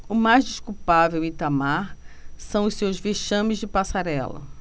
o mais desculpável em itamar são os seus vexames de passarela